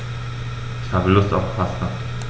Ich habe Lust auf Pasta.